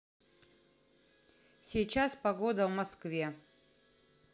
сейчас погода в москве